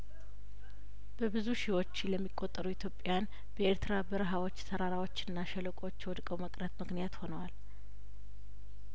በብዙ ሺዎች ለሚቆጠሩ ኢትዮጵያን በኤርትራ በረሀዎች ተራራዎችና ሸለቆዎች ወድቀው መቅረት ምክንያት ሆነዋል